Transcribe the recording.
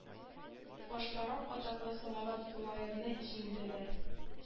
Баштарак атаклы салават юлаевны җиңде дә